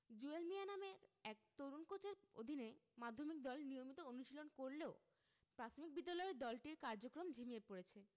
জুয়েল মিয়া নামের এক তরুণ কোচের অধীনে মাধ্যমিক দল নিয়মিত অনুশীলন করলেও প্রাথমিক বিদ্যালয়ের দলটির কার্যক্রম ঝিমিয়ে পড়েছে